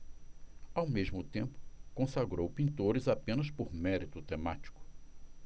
ao mesmo tempo consagrou pintores apenas por mérito temático